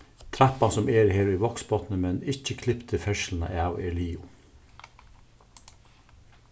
trappan sum er her í vágsbotni men ikki klipti ferðsluna av er liðug